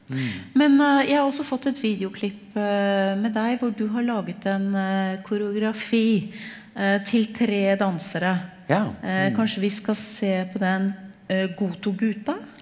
men jeg har også fått et videoklipp med deg hvor du har laget en koreografi til tre dansere, kanskje vi skal se på den GotoGuta?